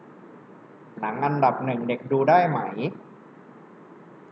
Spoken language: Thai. หนังอันดับหนึ่งเด็กดูได้ไหม